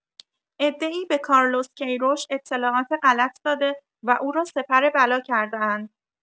عده‌ای به کارلوس کی‌روش اطلاعات غلط داده و او را سپر بلا کرده‌اند.